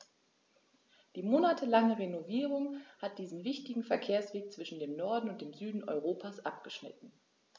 Die monatelange Renovierung hat diesen wichtigen Verkehrsweg zwischen dem Norden und dem Süden Europas abgeschnitten.